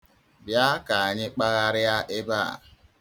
Bịa ka anyị kpagharịa ebe a.